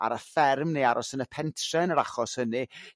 ar y fferm neu aros yn y pentre yn yr achos hynny